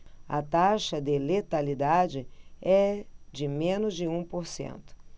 a taxa de letalidade é de menos de um por cento